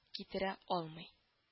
Китерә алмый